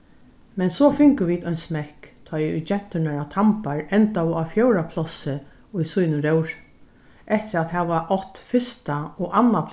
men so fingu vit ein smekk tá ið genturnar á tambar endaðu á fjórða plássi í sínum róðri eftir at hava átt fyrsta og annað